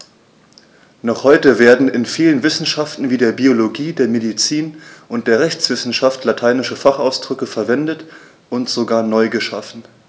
Noch heute werden in vielen Wissenschaften wie der Biologie, der Medizin und der Rechtswissenschaft lateinische Fachausdrücke verwendet und sogar neu geschaffen.